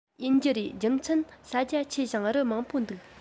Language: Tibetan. ཡིན རྒྱུ རེད རྒྱུ མཚན ས རྒྱ ཆེ ཞིང རི མང པོ འདུག